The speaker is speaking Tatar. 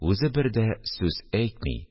Үзе бер дә сүз әйтми